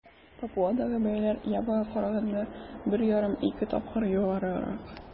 Папуадагы бәяләр Явага караганда 1,5-2 тапкыр югарырак.